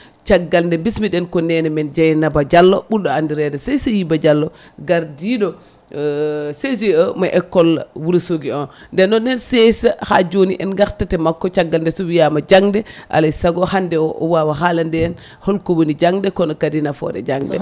caggal nde bismiɗen ko nene men Deiynaba Diallo ɓurɗo andirede Seysiyuba Diallo gardiɗo CGE mo école Wourossogui 1 nden noon nen Seysa ha joni en gartat e makko caggal nde so wiyama jangde alay saago hande o o wawa haalande en holko woni jangde e kono kadi nafoore jangde